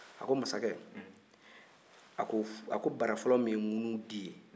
a ko masakɛ a ko bara fɔlɔ min ye ŋunun di ye